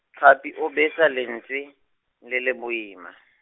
Tlhapi o betsa lentswe, le le boima.